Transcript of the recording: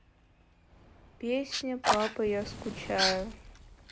песня папа я скучаю